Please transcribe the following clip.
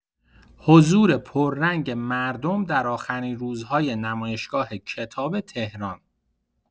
حضور پر رنگ مردم در آخرین روزهای نمایشگاه کتاب تهران